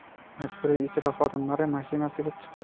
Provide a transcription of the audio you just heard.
majburiy ijro xodimlari mashinasiga